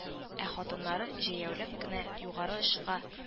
Ә хатыннары җәяүләп кенә югары очка